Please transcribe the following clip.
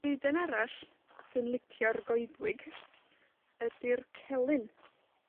Coden arall sy'n licio'r goedwig ydi'r celyn.